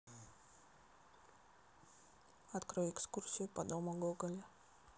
открой экскурсию по дому гоголя